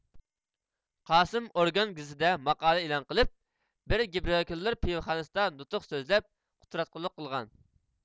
قاسىم ئورگان گېزىتىدە ماقالە ئېلان قىلىپ بېرگېبروكېللېر پىۋىخانسىدا نۇتۇق سۆزلەپ قۇتراتقۇلۇق قىلغان